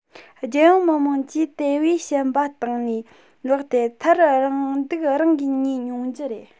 རྒྱལ ཡོངས མི དམངས ཀྱིས དེ བས ཞེན པ གཏིང ནས ལོག སྟེ མཐར རང སྡུག རང གིས མྱོང རྒྱུ རེད